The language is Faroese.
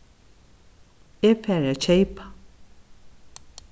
eg fari at keypa